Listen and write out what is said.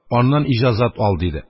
Аннан иҗазәт ал», – диде.